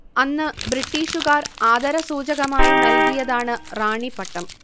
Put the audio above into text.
അന്ന് ബ്രിട്ടീഷുകാർ ആദരസൂചകമായി നൽകിയതാണ് റാണി പട്ടം